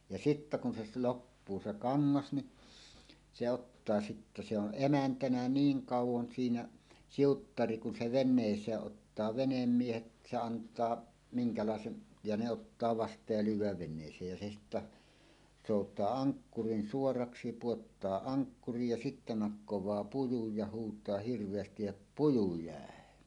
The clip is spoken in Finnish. ja sitten kun se - loppuu se kangas niin se odottaa sitten se on emäntänä niin kauan siinä siuttari kun se veneeseen ottaa venemiehet se antaa minkälaisen ja ne ottaa vastaan ja lyödään veneeseen ja se sitten soutaa ankkurin suoraksi pudottaa ankkurin ja sitten nakkaa pujun ja huutaa hirveästi jotta puju jäi